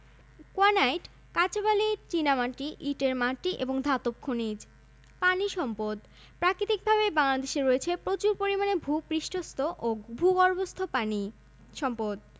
৪ দশমিক ৫ শতাংশ কৃষি বন ও মৎসচাষ সংক্রান্ত কর্মকান্ড ৫১ দশমিক ৪ শতাংশ শিল্প উৎপাদন ও পরিবহণ প্রোডাকশন এন্ড ট্রান্সপোর্ট ২১ দশমিক ৯ শতাংশ